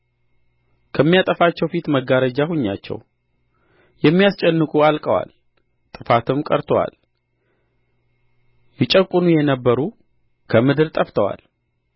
ከሚያጠፋቸው ፊት መጋረጃ ሁኛቸው የሚያስጨንቁ አልቀዋል ጥፋትም ቀርቶአል ይጨቍኑ የነበሩ ከምድር ጠፍተዋል